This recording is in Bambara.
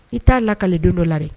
I t'a lakale don dɔ la